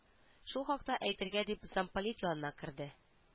Шул хакта әйтергә дип замполит янына керде